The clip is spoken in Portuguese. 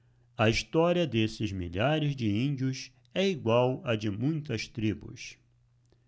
a história desses milhares de índios é igual à de muitas tribos